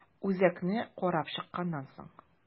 Үзәкне карап чыкканнан соң.